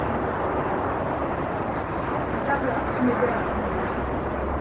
hann gav mær alt sum eg bað um